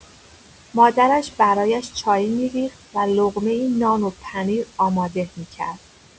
مادرش برایش چای می‌ریخت و لقمه‌ای نان و پنیر آماده می‌کرد.